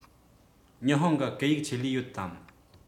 ཉི ཧོང གི སྐད ཡིག ཆེད ལས ཡོད དམ